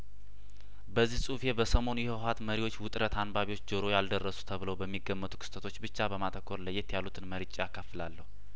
በዚህ ጹሁፌ በሰሞኑ የህወሀት መሪዎች ውጥረት አንባቢዎች ጆሮ ያልደረሱ ተብለው በሚገመቱ ክስተቶች ብቻ በማተኮር ለየት ያሉትን መርጬ አካፍላለሁ